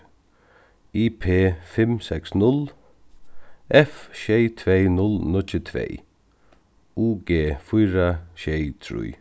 i p fimm seks null f sjey tvey null níggju tvey u g fýra sjey trý